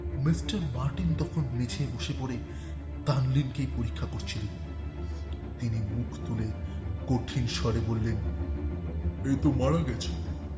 mister Martin তখন নিচে বসে পড়ে তান লিনকে পরীক্ষা করছিলেন তিনি মুখ তুলে কঠিন স্বরে বললেন এ তো মারা গেছে